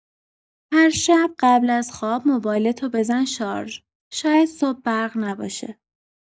هر شب قبل از خواب موبایلتو بزن شارژ، شاید صبح برق نباشه.